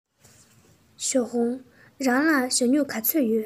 ཞའོ ཧུང རང ལ ཞྭ སྨྱུག ག ཚོད ཡོད